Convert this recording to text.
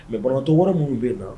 Mais banabagatɔ wɛrɛ munun be na